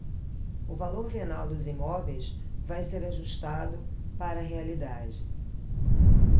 o valor venal dos imóveis vai ser ajustado para a realidade